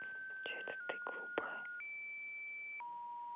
че это ты глупая